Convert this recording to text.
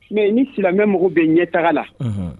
Mɛ ni silamɛmɛ mugu bɛ ɲɛ taga la